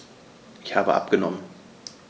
Ich habe abgenommen.